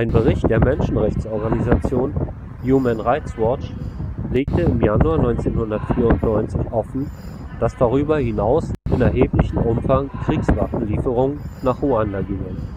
Bericht der Menschenrechtsorganisation Human Rights Watch legte im Januar 1994 offen, dass darüber hinaus in erheblichem Umfang Kriegswaffenlieferungen nach Ruanda gingen